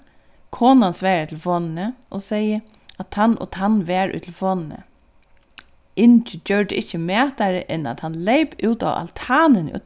konan svaraði telefonini og segði at tann og tann var í telefonini ingi gjørdi ikki mætari enn at hann leyp út á altanini og